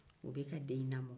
u bɛ ka den in lamɔ